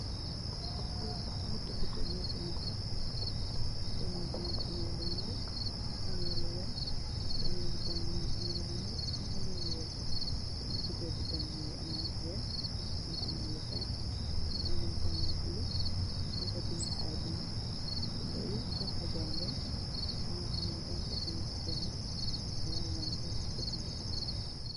Lii nak nyatti buteel nyo fi nekka, benne bi mingi amme lu nyuul, mingi amme lu weex, beneen bi tamit mingi amme lu nyuul, mingi amme lu weex, beneen buteel bi tamit miingi amme lu weex, mingi amme lu verte, amme tam lu bula, nyun fa binde ay binde, binde yi soko jangee dagaay xam li ban foson ngi buteel la ak lan lenj ko jafandiko.